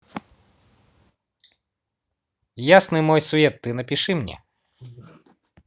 ясный мой свет ты напиши мне